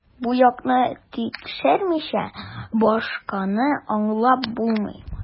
Бу якны тикшермичә, башканы аңлап булмый.